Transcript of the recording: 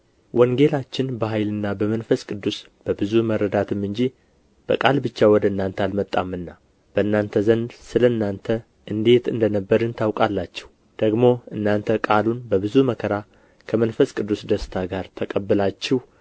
ወንጌላችን በኃይልና በመንፈስ ቅዱስ በብዙ መረዳትም እንጂ በቃል ብቻ ወደ እናንተ አልመጣምና በእናንተ ዘንድ ስለ እናንተ እንዴት እንደ ነበርን ታውቃላችሁ ደግሞ እናንተ ቃሉን በብዙ መከራ ከመንፈስ ቅዱስ ደስታ ጋር ተቀብላችሁ